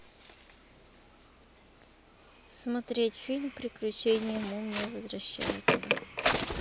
смотреть фильм приключения мумия возвращается